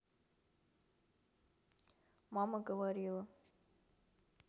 мама говорила